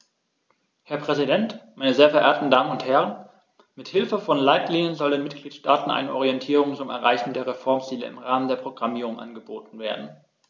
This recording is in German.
Herr Präsident, meine sehr verehrten Damen und Herren, mit Hilfe von Leitlinien soll den Mitgliedstaaten eine Orientierung zum Erreichen der Reformziele im Rahmen der Programmierung angeboten werden.